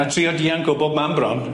A trio dianc o bob man bron.